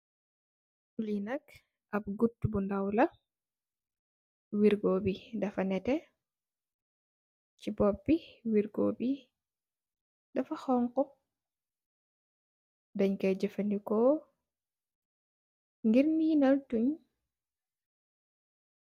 Li nak ap gutu bu ndaw la wergoh bi dafa neteh si kunerr b dafa xong khuh dang ko jefeh ndukoh pur daf ndokh